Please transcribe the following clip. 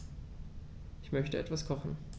Ich möchte etwas kochen.